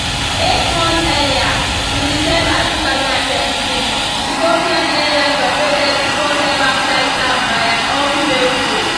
Eight months earlier, in December 2017, Ethiopian Airlines operated its first ever flight staffed by an all-female crew.